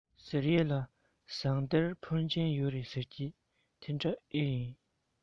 ཟེར ཡས ལ ཟངས གཏེར འཕོན ཆེན ཡོད རེད ཟེར གྱིས དེ འདྲ ཨེ ཡིན